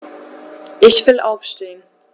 Ich will aufstehen.